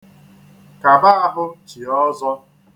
Kaba ahụ chie ọzọ.